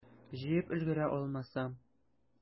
Җыеп өлгерә алмасам?